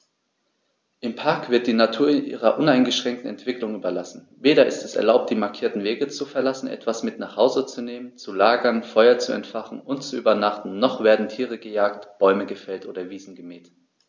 Im Park wird die Natur ihrer uneingeschränkten Entwicklung überlassen; weder ist es erlaubt, die markierten Wege zu verlassen, etwas mit nach Hause zu nehmen, zu lagern, Feuer zu entfachen und zu übernachten, noch werden Tiere gejagt, Bäume gefällt oder Wiesen gemäht.